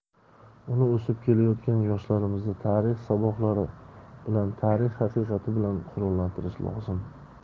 unib o'sib kelayotgan yoshlarimizni tarix saboqlari bilan tarix haqiqati bilan qurollantirish lozim